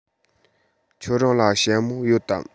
ཁྱོད རང ལ ཞྭ མོ ཡོད དམ